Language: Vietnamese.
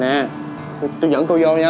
nè tôi dẫn cô vô